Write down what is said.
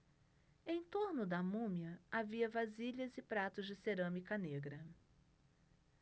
em torno da múmia havia vasilhas e pratos de cerâmica negra